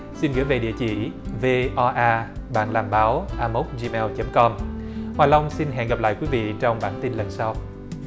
xin gửi về địa chỉ về vê o a bạn làm báo a móc di meo chấm com hoài long xin hẹn gặp lại quý vị trong bản tin lần sau